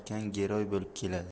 aka giroy bo'lib keladi